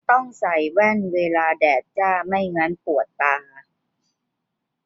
ต้องใส่แว่นเวลาแดดจ้าไม่งั้นปวดตา